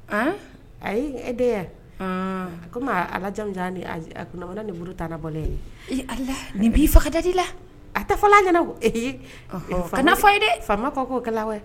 A e yan a ko alajmana nin furu taarabɔ i ali nin' faga da la a tɛla ɲɛna fa fɔ ye dɛ faama ko koo kala